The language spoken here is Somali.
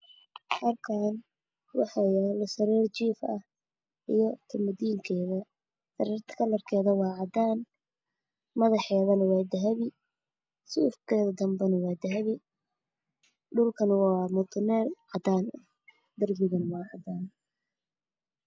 Halkaan waxaa yaalo sariir jiif ah iyo koobadiinkeeda. Sariirtu waa cadaan madaxana waa dahabi, dhulkuna waa mutuleel cadaan ah darbiga waa cadaan.